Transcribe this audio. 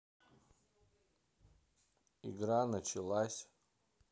игра началась